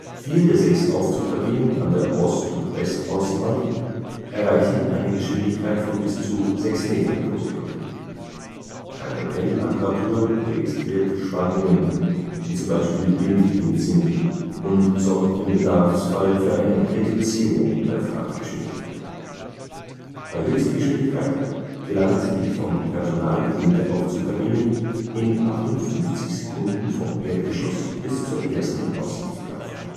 Vier der sechs Aufzugkabinen an der Ost - und Westaußenwand erreichen eine Geschwindigkeit von bis zu 6 Metern pro Sekunde. Eine Pendelapparatur registriert Schwankungen die z.B. windbedingt sind und sorgt im Bedarfsfall für eine Reduzierung der Fahrtgeschwindigkeit. Bei Höchstgeschwindigkeit gelangt die vom Personal bediente Aufzugkabine in 58 Sekunden vom Erdgeschoss bis zur ersten Aussichtsplattform